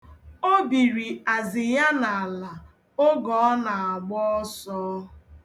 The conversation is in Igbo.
O biri azị ya n'ala oge ọ na-agba ọsọ.